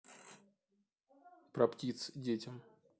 про птиц детям